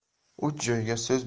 uch joyga so'z